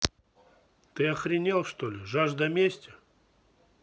ты охренел что ли жажда мести